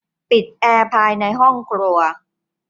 ปิดแอร์ภายในห้องครัว